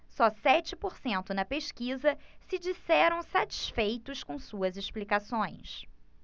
só sete por cento na pesquisa se disseram satisfeitos com suas explicações